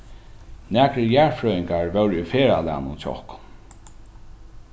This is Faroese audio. nakrir jarðfrøðingar vóru í ferðalagnum hjá okkum